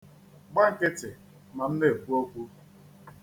Gba nkịtị ma m na-ekwu okwu.